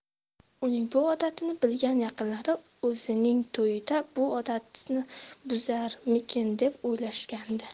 uning bu odatini bilgan yaqinlari o'zining to'yida bu odatini buzarmikin deb o'ylashgandi